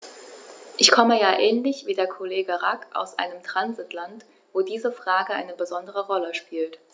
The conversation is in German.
Ich komme ja ähnlich wie der Kollege Rack aus einem Transitland, wo diese Frage eine besondere Rolle spielt.